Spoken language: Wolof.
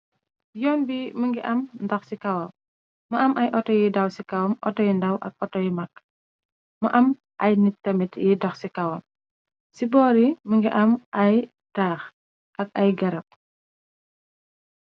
Yoon bi më ngi am ndox ci kawam, mu am ay outo yi daw ci kawam, oto yu ndaw ak outo yu magg, mu am ay nit tamit yiy dox ci kawam. Ci boori më ngi am ay taax ak ay garab.